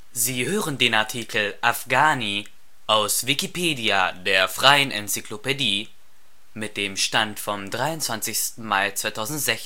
Sie hören den Artikel Afghani, aus Wikipedia, der freien Enzyklopädie. Mit dem Stand vom Der